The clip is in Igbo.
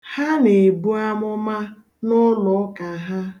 Ha na-ebu amụma n'ụlụụka ha.